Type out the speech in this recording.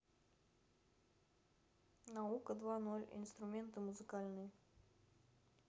наука два ноль инструменты музыкальные